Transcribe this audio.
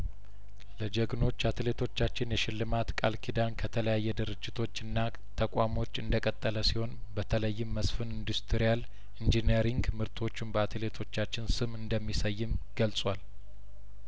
ለጀግኖቹ አትሌቶቻችን የሽልማት ቃል ኪዳን ከተለያየ ድርጅቶችና ተቋሞች እንደቀጠለ ሲሆን በተለይም መስፍን ኢንዲስትሪያል ኢንጂነሪንግ ምርቶቹን በአትሌቶቻችን ስም እንደሚሰይም ገልጿል